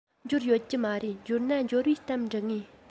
འབྱོར ཡོད ཀྱི མ རེད འབྱོར ན འབྱོར བའི གཏམ འབྲི ངེས